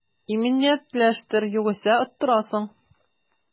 Иминиятләштер, югыйсә оттырасың